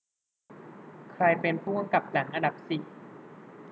ใครเป็นผู้กำกับหนังอันดับสี่